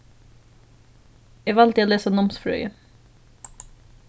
eg valdi at lesa námsfrøði